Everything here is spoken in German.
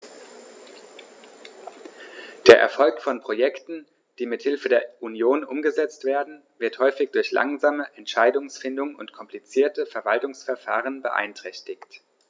Der Erfolg von Projekten, die mit Hilfe der Union umgesetzt werden, wird häufig durch langsame Entscheidungsfindung und komplizierte Verwaltungsverfahren beeinträchtigt.